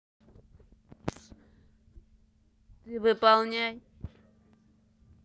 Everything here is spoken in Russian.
ты выполняй